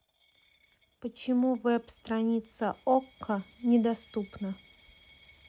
почему веб страница okko недоступна